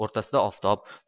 o'rtasida oftob